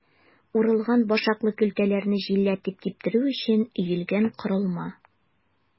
Урылган башаклы көлтәләрне җилләтеп киптерү өчен өелгән корылма.